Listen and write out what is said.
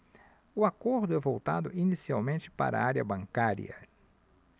o acordo é voltado inicialmente para a área bancária